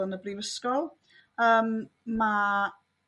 yn y brifysgol. Yym ma'